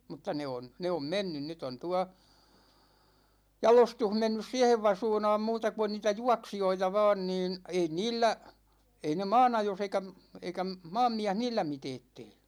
mutta ne on ne on mennyt nyt on tuolla jalostus mennyt siihen vasuunaan muuta kun on niitä juoksijoita vain niin ei niillä ei ne maanajossa eikä - eikä - maanmies niillä mitään tee